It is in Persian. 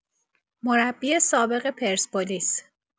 مربی سابق پرسپولیس